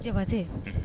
Cɛbate